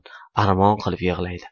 armon qilib yig'laydi